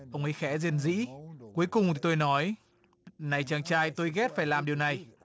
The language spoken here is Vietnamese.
ông ấy khẽ rền rĩ cuối cùng tôi nói này chàng trai tôi ghét phải làm điều này